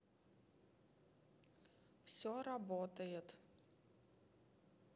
все работает